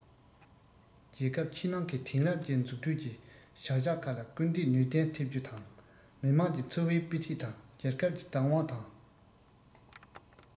རྒྱལ ཁབ ཕྱི ནང གི དེང རབས ཅན འཛུགས སྐྲུན གྱི བྱ གཞག ཁག ལ སྐུལ འདེད ནུས ལྡན ཐེབས རྒྱུ དང མི དམངས ཀྱི འཚོ བའི སྤུས ཚད དང རྒྱལ ཁབ ཀྱི བདག དབང དང